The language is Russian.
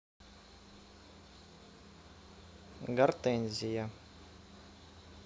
гортензия